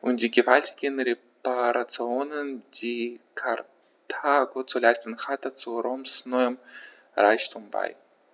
und die gewaltigen Reparationen, die Karthago zu leisten hatte, zu Roms neuem Reichtum bei.